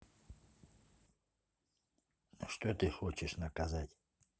ну что ты хочешь наказать